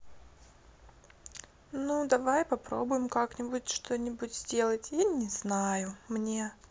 ну давай попробуем как нибудь что нибудь сделать я не знаю мне